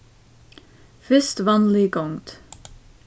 fyrst vanlig gongd